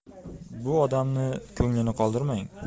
bu odamni ko'nglini qoldirmang